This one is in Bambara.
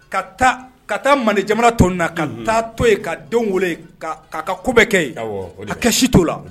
Ka taa, ka taa Mande jamana tɔ ninnu na; Unhun; ka taa to yen ka denw wolo yen; k'a ka ko bɛ kɛ yen; Awɔ; Hakɛ si t'o la;